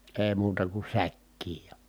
ei muuta kuin säkkiin ja